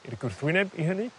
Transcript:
i'r gwrthwyneb i hynny